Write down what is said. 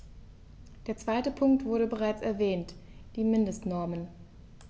Der zweite Punkt wurde bereits erwähnt: die Mindestnormen.